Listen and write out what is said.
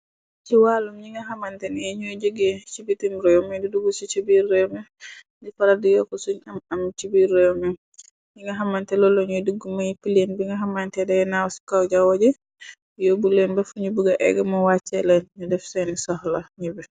Si wàllum ñi nga xamante ni ñooy joggé si bitim rew mi di dugg si biir réew mi, di faral di yoku suñ am am si biir réew mi. Ñi nga xamante lool lañuy dugg muy pileen bi nga xamañte day naaw si kow jaawo ji, yoobu leen bë fuñu buga eggë mu wàccee leen ñu def seeni soxla ñi bi.